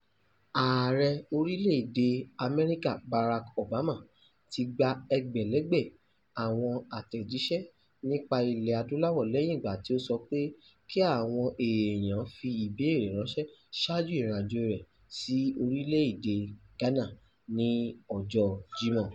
Ààrẹ orílẹ̀ èdè America Barack Obama tí gba ẹgbẹ̀lẹ́gbẹ̀ àwọn àtẹ̀jíṣẹ́ nípa ilẹ̀ Adúláwò lẹ́yìn ìgbà tí ó sọ pé kí àwọn èèyàn fi ìbéèrè ránṣẹ́ ṣáájú ìrìn àjò rẹ̀ sí orílẹ̀ èdè Ghana ní ọjọ́ Jímọ̀.